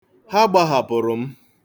Ha gbahapụrụ m.